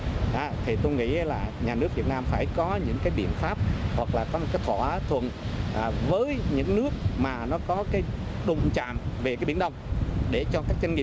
đó thì tôi nghĩ là nhà nước việt nam phải có những cái biện pháp hoặc là có một cái thỏa thuận với những nước mà nó có cái đụng chạm về cái biển đông để cho các doanh nghiệp